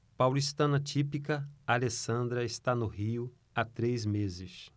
paulistana típica alessandra está no rio há três meses